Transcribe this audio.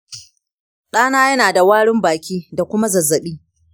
ɗana yana da warin baki da kuma zazzaɓi.